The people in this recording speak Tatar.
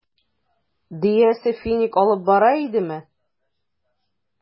Дөясе финик алып бара идеме?